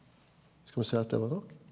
skal me seie at det var nok?